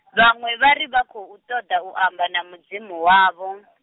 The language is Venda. vhaṅwe vhari vhakhou ṱoḓa u amba na Mudzimu wavho .